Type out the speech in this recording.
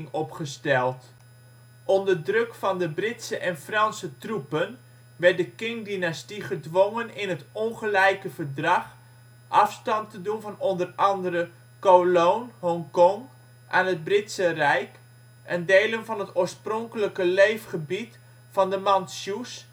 opgesteld. Onder druk van de Britse en Franse troepen werd de Qing-dynastie gedwongen in het ongelijke verdrag afstand doen van o.a. Kowloon (Hongkong) aan het Britse rijk en delen van het oorspronkelijke leefgebied van de Mantsjoes